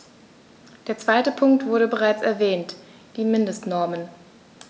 Der zweite Punkt wurde bereits erwähnt: die Mindestnormen.